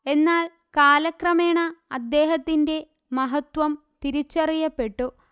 എന്നാൽ കാലക്രമേണ അദ്ദേഹത്തിന്റെ മഹത്ത്വം തിരിച്ചറിയപ്പെട്ടു